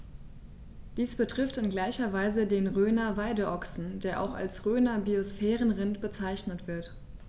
Dies betrifft in gleicher Weise den Rhöner Weideochsen, der auch als Rhöner Biosphärenrind bezeichnet wird.